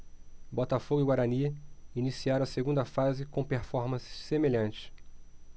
botafogo e guarani iniciaram a segunda fase com performances semelhantes